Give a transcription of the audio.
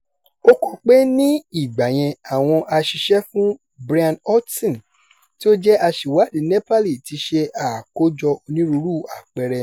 Ó kọ pé, ní ìgbà yẹn àwọn aṣiṣẹ́ fún Brian Hodgson tí ó jẹ́ aṣèwádìí Nepali tí ṣe àkójọ onírúurú àpẹẹrẹ.